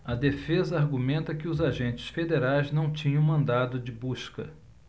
a defesa argumenta que os agentes federais não tinham mandado de busca